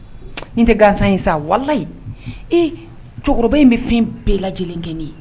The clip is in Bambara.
N te gansan ye sa walayi . Ee Cɛkɔrɔba in be fɛn bɛɛ lajɛlen kɛ ne ye.